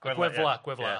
Gweddla gweddla. Ia.